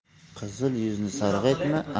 qizil yuzni sarg'aytma